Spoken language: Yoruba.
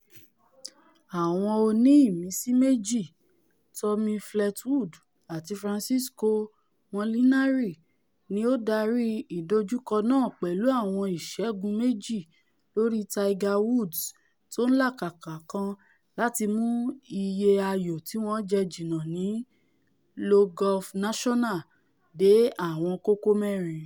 Àwọn oní-ìmísí méjì Tommy Fleetwood àti Francesco Molinari ni o darí ìdojúkọ náà pẹ̀lú àwọn ìṣẹ́gun méji lórí Tiger Woods tó ńlàkàkà kan láti mú iye ayò tíwọn jẹ́ jìnnà ní Le Golf National dé àwọn kókó mẹ̵́rin.